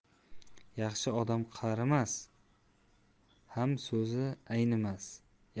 yaxshi odam qarisa ham so'zi aynimas